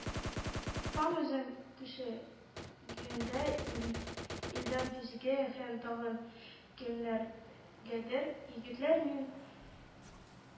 Фам үлем түшәгендә илдар юзигә һәм тагын кемнәргәдер: «егетләр, мин